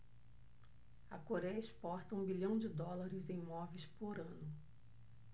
a coréia exporta um bilhão de dólares em móveis por ano